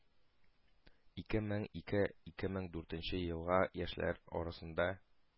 Ике мең ике, ике мең дүртенче елгы яшьләр арасында